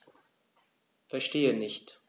Verstehe nicht.